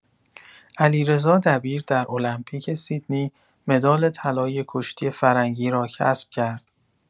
علیرضا دبیر در المپیک سیدنی مدال طلای کشتی فرنگی را کسب کرد.